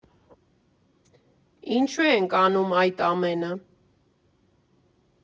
Ինչու՞ ենք անում այդ ամենը։